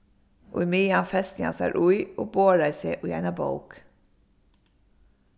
ímeðan festi hann sær í og boraði seg í eina bók